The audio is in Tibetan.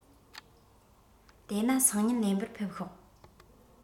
དེ ན སང ཉིན ལེན པར ཕེབས ཤོག